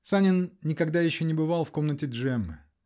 Санин никогда еще не бывал в комнате Джеммы.